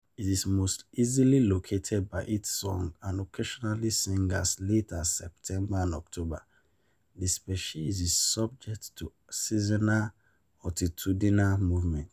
It is most easily located by its song and occasionally sings as late as September and October. The species is subject to seasonal altitudinal movements.